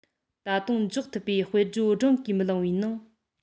ད དུང འཇོག ཐུབ པའི དཔེར བརྗོད བགྲངས ཀྱི མི ལངས པའི ནང